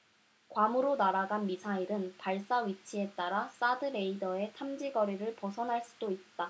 괌으로 날아간 미사일은 발사 위치에 따라 사드 레이더의 탐지거리를 벗어날 수도 있다